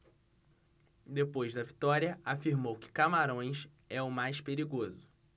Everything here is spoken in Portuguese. depois da vitória afirmou que camarões é o mais perigoso